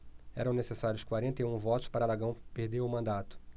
eram necessários quarenta e um votos para aragão perder o mandato